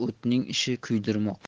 o'tning ishi kuydirmoq